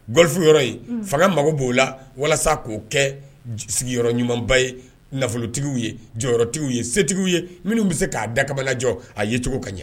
Gafi yɔrɔ in fanga mago b'o la walasa k'o kɛ sigiyɔrɔ ɲumanba ye nafolotigiww ye jɔyɔrɔtigiw ye setigiw ye minnu bɛ se k'a da kababalajɔ a yecogo ka ɲɛ